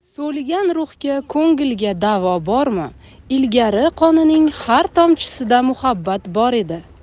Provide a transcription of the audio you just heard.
so'ligan ruhga ko'ngilga davo bormi ilgari qonining har tomchisida muhabbat bor edi